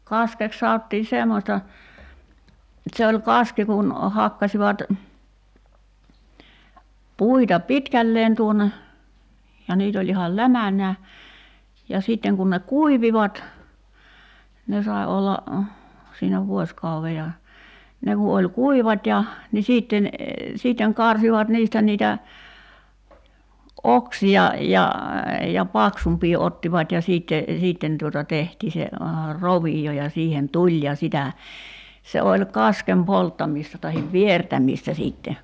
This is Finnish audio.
kaskeksi sanottiin semmoista se oli kaski kun hakkasivat puita pitkälleen tuonne ja niitä oli ihan lämänään ja sitten kun ne kuivuivat ne sai olla siinä vuosikauden ja ne kun oli kuivat ja niin sitten sitten karsivat niistä niitä oksia ja ja paksumpia ottivat ja sitten sitten tuota tehtiin tehtiin se rovio ja siihen tuli ja sitä se oli kasken polttamista tai viertämistä sitten